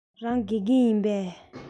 རང དགེ རྒན ཡིན པས